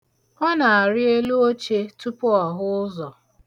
Ọ na-arị elu oche tupu ọ hụ ụzọ.